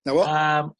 'Na fo. yym.